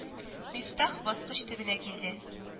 Мифтах баскыч төбенә килде